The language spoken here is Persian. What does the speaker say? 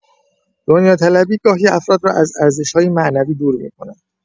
دنیاطلبی گاهی افراد را از ارزش‌های معنوی دور می‌کند.